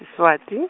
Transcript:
-iSwati.